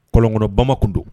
Kolonlɔn kɔnɔ bama tun don